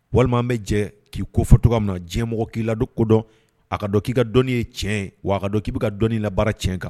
Walima an bɛ jɛ k'i kofɔ cɔgɔ min na diɲɛmɔgɔ k'i lakodɔn a ka dɔn k'i ka dɔnni ye tiɲɛ ye, wa ka dɔn k'i bɛ ka dɔnni labaara tiɲɛ kan.